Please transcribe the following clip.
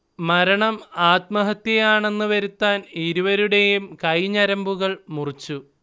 മരണം ആത്മഹത്യയാണെന്ന് വരുത്താൻ ഇരുവരുടെയും കൈഞരമ്പുകൾ മുറിച്ചു